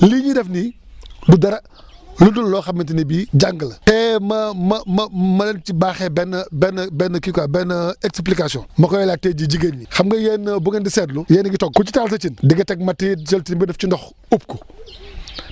lii ñuy def nii du dara ludul loo xamante ni bii jàng la te ma ma ma ma leen ci baaxee benn benn benn kii quoi benn explication ma koy laaj tey jii jigéen ñi xam nga yéen bu ngeen di seetlu yéen a ngi togg ku ci taal sa cin di nga teg matt yi jël cin ba def ci ndox ub ko